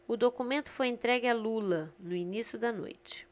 o documento foi entregue a lula no início da noite